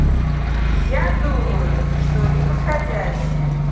я думаю что неподходящее